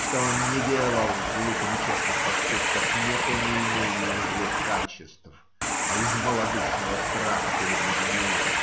что он не делал злых и нечестных поступков не по неимению злых качеств, а из малодушного страха перед людьми.